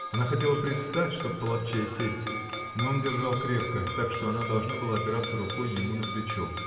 Она хотела привстать, чтоб половчее сесть, но он держал крепко, так что она должна была опираться рукой ему на плечо.